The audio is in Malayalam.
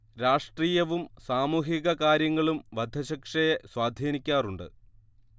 രാഷ്ട്രീയവും സാമൂഹിക കാര്യങ്ങളും വധശിക്ഷയെ സ്വാധീനിക്കാറുണ്ട്